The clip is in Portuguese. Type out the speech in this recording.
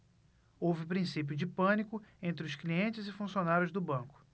houve princípio de pânico entre os clientes e funcionários do banco